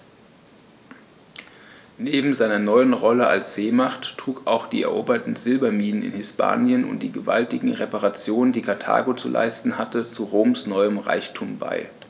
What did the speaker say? Neben seiner neuen Rolle als Seemacht trugen auch die eroberten Silberminen in Hispanien und die gewaltigen Reparationen, die Karthago zu leisten hatte, zu Roms neuem Reichtum bei.